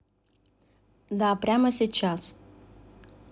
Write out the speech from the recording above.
да прямо сейчас